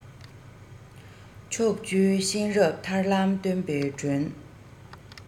ཕྱོགས བཅུའི གཤེན རབ ཐར ལམ སྟོན པའི སྒྲོན